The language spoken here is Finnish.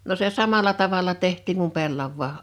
no se samalla tavalla tehtiin kuin pellavakin